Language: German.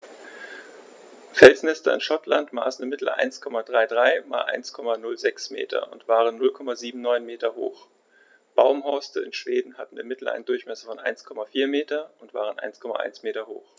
Felsnester in Schottland maßen im Mittel 1,33 m x 1,06 m und waren 0,79 m hoch, Baumhorste in Schweden hatten im Mittel einen Durchmesser von 1,4 m und waren 1,1 m hoch.